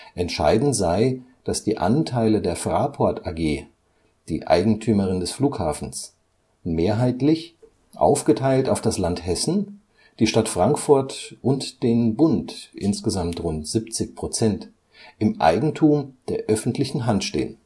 Entscheidend sei, dass die Anteile der Fraport AG, die Eigentümerin des Flughafens, mehrheitlich, aufgeteilt auf das Land Hessen, die Stadt Frankfurt und den Bund (insgesamt rund 70 %), im Eigentum der öffentlichen Hand stehen